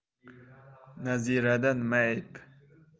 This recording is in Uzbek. nazirada nima ayb